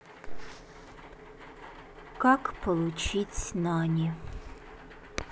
как получить нани